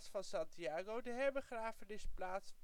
van Santiago de herbegrafenis plaats